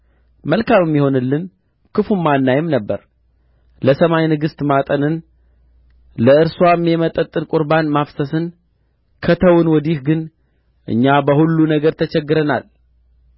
መልካምም ይሆንልን ክፉም አናይም ነበር ለሰማይ ንግሥት ማጠንን ለእርስዋም የመጠጥን ቍርባን ማፍሰስን ከተውን ወዲህ ግን እኛ በሁሉ ነገር ተቸግረናል